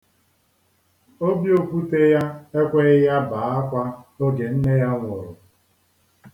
Obi okwute ya ekweghị ya bee akwa oge nne ya nwụrụ.